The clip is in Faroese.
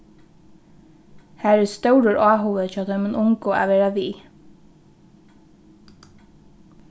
har er stórur áhugi hjá teimum ungu at vera við